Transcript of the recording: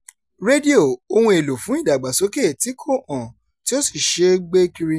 Rédíò — ohun èlò fún ìdàgbàsókè tí kò hàn, tí ó sì ṣe é gbé kiri.